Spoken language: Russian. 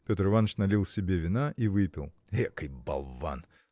Петр Иваныч налил себе вина и выпил. – Экой болван!